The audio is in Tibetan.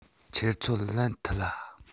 ཁྱེད ཚོར ལེན ཐུབ ལ